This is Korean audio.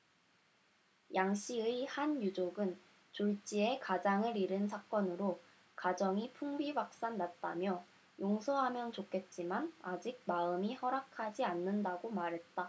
양 씨의 한 유족은 졸지에 가장을 잃은 사건으로 가정이 풍비박산 났다며 용서하면 좋겠지만 아직 마음이 허락하지 않는다고 말했다